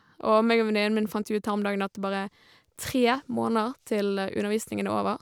Og meg og venninnen min fant jo ut her om dagen at det bare er tre måneder til undervisningen er over.